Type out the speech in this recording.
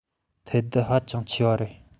ཐལ རྡུལ ཧ ཅང ཆེ བའི རེད